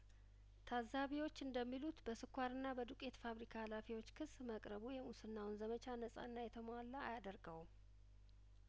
ታዛቢዎች እንደሚሉት በስኳርና በዱቄት ፋብሪካ ሀላፊዎች ክስ መቅረቡ የሙስናውን ዘመቻ ነጻና የተሟላ አያደርገውም